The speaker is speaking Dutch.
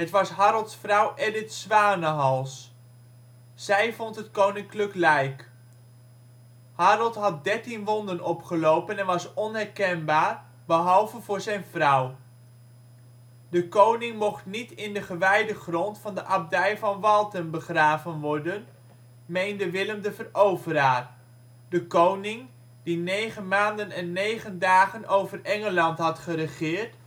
was Harolds vrouw Edith Zwanehals. Zij vond het koninklijk lijk. Harold had 13 wonden opgelopen en was onherkenbaar, behalve voor zijn vrouw. De koning mocht niet in de gewijde grond van de abdij van Waltham begraven worden, meende Willem de Veroveraar. De koning, die 9 maanden en 9 dagen over Engeland had geregeerd